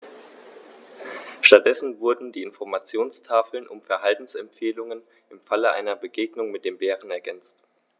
Stattdessen wurden die Informationstafeln um Verhaltensempfehlungen im Falle einer Begegnung mit dem Bären ergänzt.